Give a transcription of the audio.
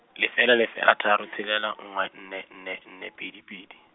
lefela lefela tharo tshelela nngwe nne nne nne pedi pedi.